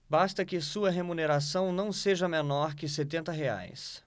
basta que sua remuneração não seja menor que setenta reais